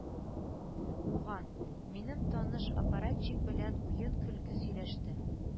Ган, минем таныш аппаратчик белән уен-көлке сөйләште,